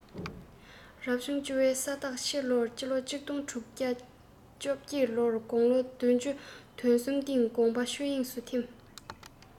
རབ བྱུང བཅུ བའི ས རྟ ཕྱི ལོ ༡༦༡༨ ལོར དགུང ལོ བདུན ཅུ དོན གསུམ སྟེང དགོངས པ ཆོས དབྱིངས སུ འཐིམས